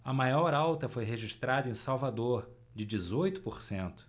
a maior alta foi registrada em salvador de dezoito por cento